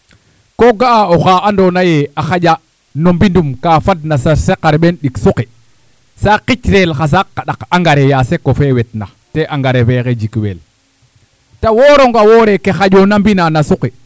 koo ga'aa oxa andoona yee a xaƴa o mbindum kaa fadna sarse xarɓeen ɗik suqi sa qicrel xa saaq xa ɗaq engrais ya seko fe wetna te engrais fee xay jikwel ta woorong o woore ke xaƴoona no mbind na no suqi